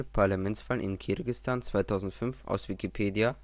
Parlamentswahl in Kirgisistan 2005, aus Wikipedia